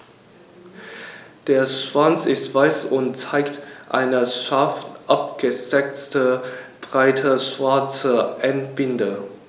Der Schwanz ist weiß und zeigt eine scharf abgesetzte, breite schwarze Endbinde.